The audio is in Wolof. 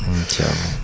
incha allah